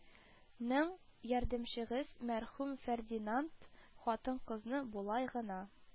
Нең ярдәмчегез, мәрхүм фердинанд, хатын-кызны болай гына